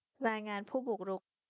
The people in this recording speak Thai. รายงานผู้บุกรุก